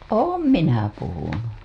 olen minä puhunut